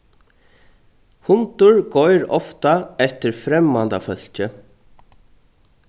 hundur goyr ofta eftir fremmandafólki